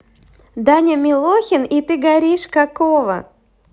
даня милохин и ты горишь какого